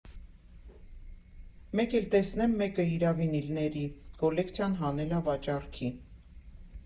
Մեկ էլ տեսնեմ մեկը իրա վինիլների կոլեկցիան հանել ա վաճառքի։